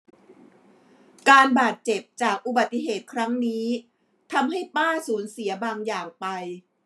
การบาดเจ็บจากอุบัติเหตุครั้งนี้ทำให้ป้าสูญเสียบางอย่างไป